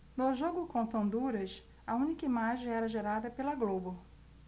no jogo contra honduras a única imagem era gerada pela globo